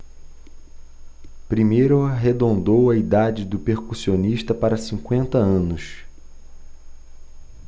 primeiro arredondou a idade do percussionista para cinquenta anos